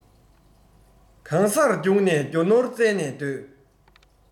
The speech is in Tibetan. གང སར རྒྱུགས ནས རྒྱུ ནོར བཙལ ན འདོད